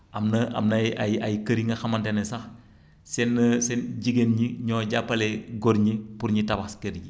am na am na ay ay kër yi nga xamante ni sax seen seen jigéen ñi ñoo jàppale góor ñi pour ñu tabax kër yi